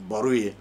Baro ye